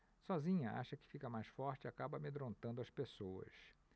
sozinha acha que fica mais forte e acaba amedrontando as pessoas